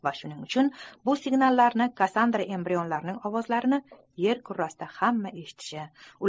va shuning uchun bu signallarni kassandra embrionlarning ovozlarini yer kurrasida hamma eshitishi